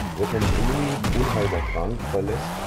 Settembrini, unheilbar krank, verlässt